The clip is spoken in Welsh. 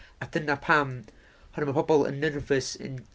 A dyna pam, oherwydd mae pobl yn nervous yn...